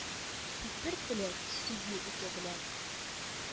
Тик бер теләк: сөю уты белән